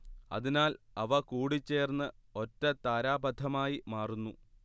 അതിനാൽ അവ കൂടിച്ചേർന്ന് ഒറ്റ താരാപഥമായി മാറുന്നു